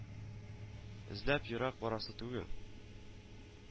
Эзләп ерак барасы түгел